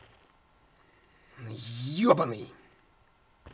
ебаный